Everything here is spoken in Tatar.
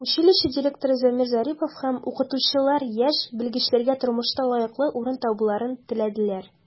Училище директоры Замир Зарипов һәм укытучылар яшь белгечләргә тормышта лаеклы урын табуларын теләделәр.